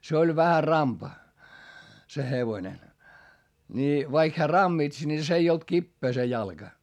se oli vähän rampa se hevonen niin vaikka hän rammitsi niin se ei ollut kipeä se jalka